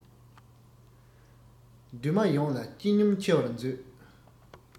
འདུན མ ཡོངས ལ སྤྱི སྙོམས ཆེ བར མཛོད